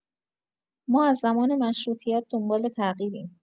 ما از زمان مشروطیت دنبال تغییریم.